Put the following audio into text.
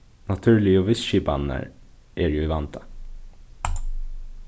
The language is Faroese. natúrligu vistskipanirnar eru í vanda